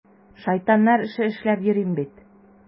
Шайтаннар эше эшләп йөрим бит!